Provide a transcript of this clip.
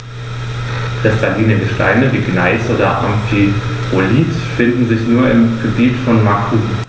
Kristalline Gesteine wie Gneis oder Amphibolit finden sich nur im Gebiet von Macun.